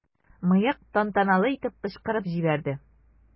"мыек" тантаналы итеп кычкырып җибәрде.